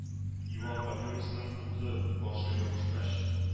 Юан папиросның утлы башы ябышкач,